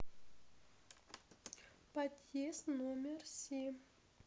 подъезд номер семь